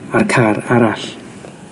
a'r car arall.